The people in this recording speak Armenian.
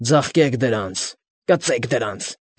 Ձաղկեք դրանց։ Կծեք դրանց։